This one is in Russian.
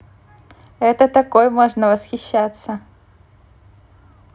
это такой можно восхищаться